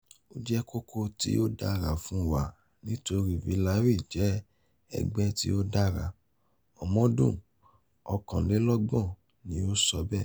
"Ó jẹ́ kókó tí ó dára fún wa nítorí Villarreal jẹ́ ẹgbẹ́ tí ó dára," ọmọdún 31 ni ó sọ bẹ́ẹ̀.